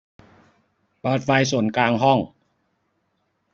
เปิดไฟส่วนกลางห้อง